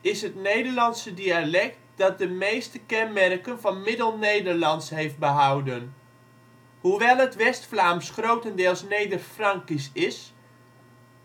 is het Nederlandse dialect dat de meeste kenmerken van Middelnederlands heeft behouden. Hoewel het West-Vlaams grotendeels Nederfrankisch is,